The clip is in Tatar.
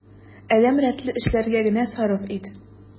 Адәм рәтле эшләргә генә сарыф ит.